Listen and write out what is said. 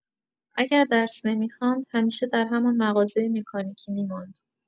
اگر درس نمی‌خواند، همیشه در همان مغازۀ مکانیکی می‌ماند.